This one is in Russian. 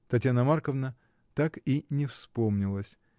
Татьяна Марковна так и не вспомнилась.